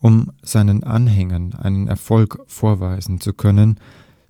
Um seinen Anhängern einen Erfolg vorweisen zu können,